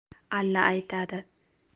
alla aytadi